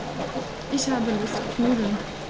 Ich habe Lust auf Nudeln.